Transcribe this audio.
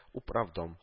Управдом